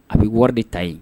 A bɛ wari de ta ye